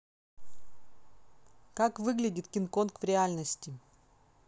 как выглядит кинг конг в реальности